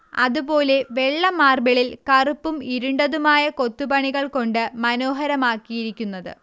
അതുപോലെ വെള്ള മാർബിളിൽ കറുപ്പും ഇരുണ്ടതുമായ കൊത്തുപണികൾ കൊണ്ട് മനോഹരമാക്കിയിരിക്കുന്നത്